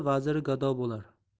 vaziri gado bo'lar